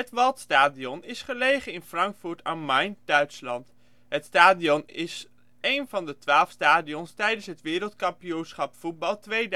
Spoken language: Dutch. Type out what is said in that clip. Waldstadion is gelegen in Frankfurt am Main, Duitsland. Het stadion is een van de twaalf stadions tijdens het Wereldkampioenschap voetbal 2006